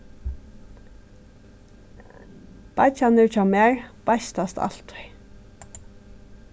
beiggjarnir hjá mær beistast altíð